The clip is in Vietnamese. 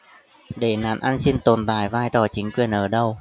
để nạn ăn xin tồn tại vai trò chính quyền ở đâu